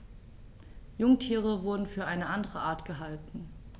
Jungtiere wurden für eine andere Art gehalten.